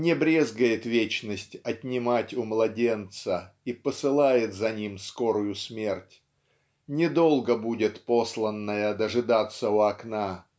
не брезгает вечность отнимать у младенца и посылает за ним скорую смерть -- недолго будет посланная дожидаться у окна